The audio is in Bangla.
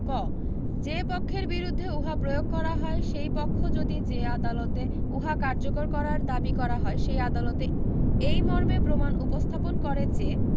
ক যে পক্ষের বিরুদ্ধে উহা প্রয়োগ করা হয় সেই পক্ষ যদি যে আদালতে উহা কার্যকর করার দাবী করা হয় সেই আদালতে এই মর্মে প্রমাণ উপস্থাপন করে যে